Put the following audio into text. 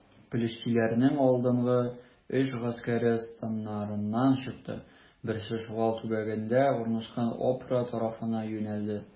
Пелештиләрнең алдынгы өч гаскәре, станнарыннан чыкты: берсе Шугал төбәгендә урнашкан Опра тарафына юнәлде.